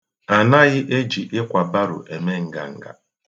Anaghị eji ikwa baro eme nganga.